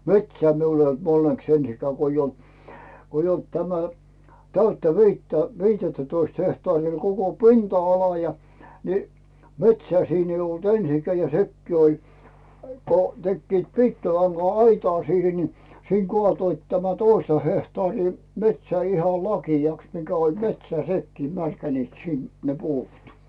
metsää minulla ei ollut onneksi ensinkään kun ei ollut kun ei ollut tämä täyttä viittä viittätoista hehtaaria oli koko pinta-ala ja niin metsää siinä ei ollut ensinkään ja sekin oli kun tekivät piikkilanka-aitaa siihen niin siinä kaatoivat tämän toista hehtaaria metsää ihan lakeaksi mikä oli metsää nekin märkänivät sinne ne puut